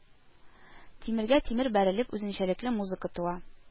Тимергә тимер бәрелеп, үзенчәлекле музыка туа